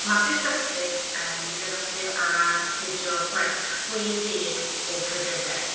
ma'r dystysgrif yn gyfystyr ag astudio gwerth chwedeg o gredydau.